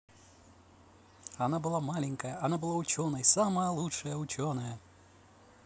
она была маленькая она была ученой самая лучшая ученая